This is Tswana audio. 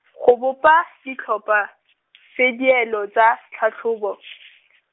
go bopa ditlhopha, tsa dielo tsa tlhatlhobo .